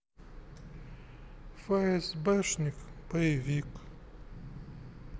фсбшник боевик